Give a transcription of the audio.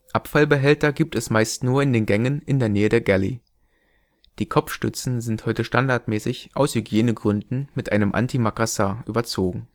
Abfallbehälter gibt es meist nur in den Gängen in der Nähe der Galley. Die Kopfstützen sind heute standardmäßig aus Hygienegründen mit einem Antimakassar überzogen